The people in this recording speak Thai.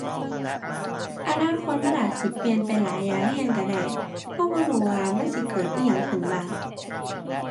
อนาคตมันอาจสิเปลี่ยนไปหลายอย่างแรงแรงได้ แรงบ่รู้ว่ามันสิเกิดอิหยังขึ้นบ้าง